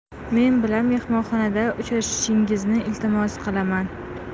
men bilan mehmonxonada uchrashingizni iltimos qilaman